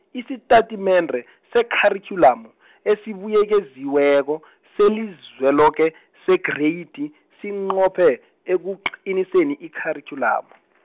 isitatimende , sekharikhyulamu , esibuyekeziweko , selizweloke , segreyidi , sinqophe , ekuqiniseni ikharikhyulamu.